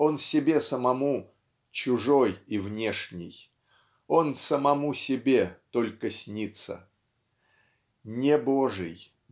он себе самому -- чужой и внешний, он самому себе только снится. Небожий